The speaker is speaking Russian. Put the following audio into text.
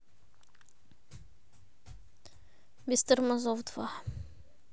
без тормозов два